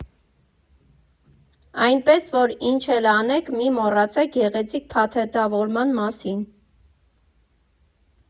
Այնպես որ՝ ինչ էլ անեք, մի մոռացեք գեղեցիկ փաթեթավորման մասին։